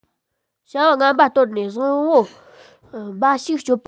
བྱ བ ངན པ དོར ནས བཟང པོ འབའ ཞིག སྤྱོད པ